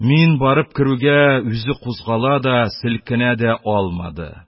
Мин барып керүгә, үзе кузгала да, селкенә дә алмады.